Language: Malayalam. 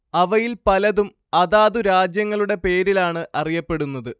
അവയിൽ പലതും അതാതു രാജ്യങ്ങളുടെ പേരിലാണ് അറിയപ്പെടുന്നത്